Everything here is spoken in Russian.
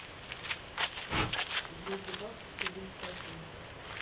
в леди баг вселился акума